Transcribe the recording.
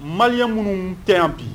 Maliy kun tɛ yan bi